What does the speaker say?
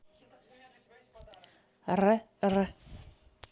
гг